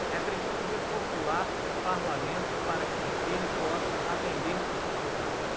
é preciso reformular o parlamento para que ele possa atender a sociedade